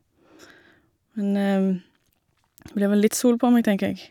Men blir vel litt sol på meg, tenker jeg.